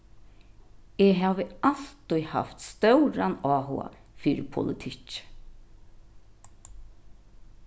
eg havi altíð havt stóran áhuga fyri politikki